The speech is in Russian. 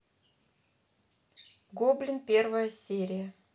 гоблин первая серия